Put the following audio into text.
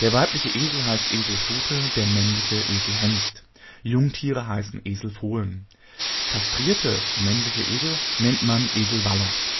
weibliche Esel heißt Eselstute, der männliche Eselhengst, Jungtiere heißen Eselfohlen. Kastrierte (männliche) Esel nennt man Eselwallach